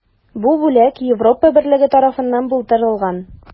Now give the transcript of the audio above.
Бу бүләк Европа берлеге тарафыннан булдырылган.